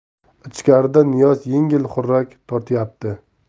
ichkarida niyoz yengil xurrak tortyapti